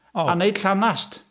A wneud llanast.